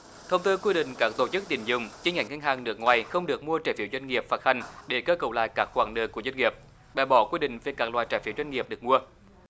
thông tư quy định các tổ chức tín dụng chi nhánh ngân hàng nước ngoài không được mua trái phiếu doanh nghiệp phát hành để cơ cấu lại các khoản nợ của doanh nghiệp bãi bỏ quy định về các loại trái phiếu chuyên nghiệp được mua